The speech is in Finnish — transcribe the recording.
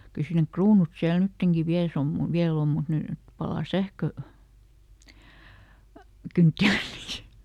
kyllä siinä ne kruunut siellä nytkin vielä se on - vielä on mutta nyt palaa - sähkökynttilöitä